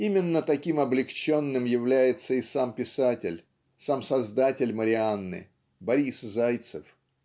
Именно таким облегченным является и сам писатель сам создатель Марианны Борис Зайцев.